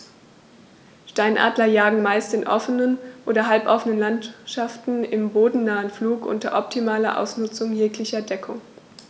Steinadler jagen meist in offenen oder halboffenen Landschaften im bodennahen Flug unter optimaler Ausnutzung jeglicher Deckung.